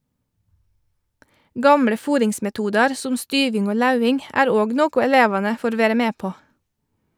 Gamle fôringsmetodar som styving og lauving er òg noko elevane får vere med på.